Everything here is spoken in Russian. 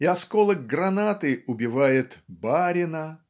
и осколок гранаты убивает "барина"